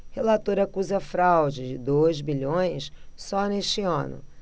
relator acusa fraude de dois bilhões só neste ano